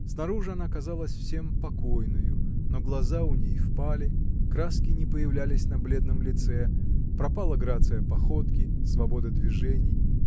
Снаружи она казалась всем покойною, но глаза у ней впали, краски не появлялись на бледном лице, пропала грация походки, свобода движений.